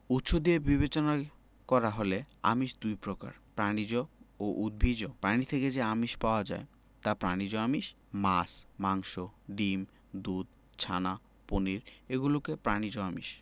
উৎস দিয়ে বিবেচনা করা হলে আমিষ দুই প্রকার প্রাণিজ ও উদ্ভিজ্জ প্রাণী থেকে যে আমিষ পাওয়া যায় তা প্রাণিজ আমিষ মাছ মাংস ডিম দুধ ছানা পনির এগুলোকে প্রাণিজ আমিষ